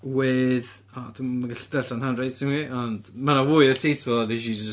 With... o dwi'm yn gallu darllen handwriting fi, ond... Ma' 'na fwy i'r teitl, ond wnes i jyst